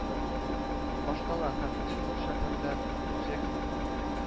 Башкала һәм иң зур шәһәрләр Джексон